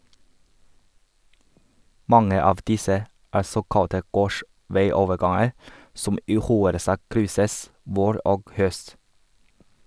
Mange av disse er såkalte gårdsveioverganger, som i hovedsak krysses vår og høst.